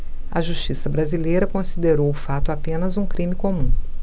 a justiça brasileira considerou o fato apenas um crime comum